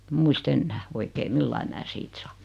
en muista enää oikein millä lailla minä siitä saan